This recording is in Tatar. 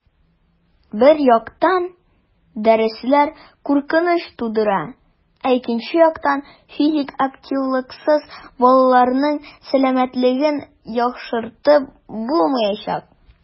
Бер яктан, дәресләр куркыныч тудыра, ә икенче яктан - физик активлыксыз балаларның сәламәтлеген яхшыртып булмаячак.